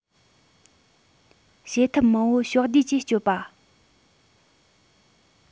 བྱེད ཐབས མང པོ ཕྱོགས བསྡུས ཀྱིས སྤྱོད པ